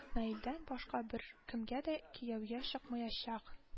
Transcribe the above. Наилдән башка беркемгә дә кияүгә чыкмаячак